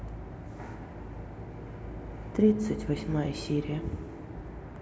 тридцать восьмая серия